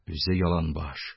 Үзе яланбаш.